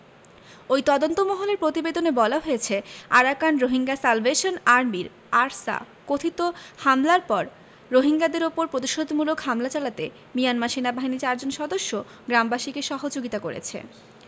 ওই তদন্তমহলের প্রতিবেদনে বলা হয়েছে আরাকান রোহিঙ্গা সালভেশন আর্মির আরসা কথিত হামলার পর রোহিঙ্গাদের ওপর প্রতিশোধমূলক হামলা চালাতে মিয়ানমার সেনাবাহিনীর চারজন সদস্য গ্রামবাসীকে সহযোগিতা করেছে